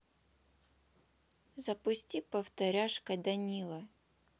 запусти повторяшка данила